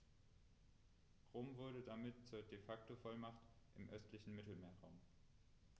Rom wurde damit zur ‚De-Facto-Vormacht‘ im östlichen Mittelmeerraum.